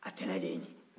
a tana de ye nin ye